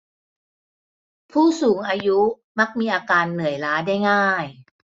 ผู้สูงอายุมักมีอาการเหนื่อยล้าได้ง่าย